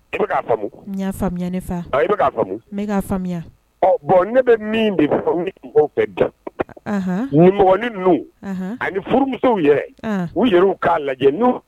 Iaa faamuyamuya nea' faamuya bɔn ne bɛ minin ninnu ani furumusow yɛrɛ u yɛrɛ u k'a lajɛ